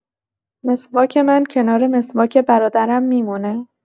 مسواک من کنار مسواک برادرم می‌مونه.